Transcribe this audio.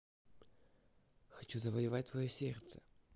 хочу завоевать твое сердце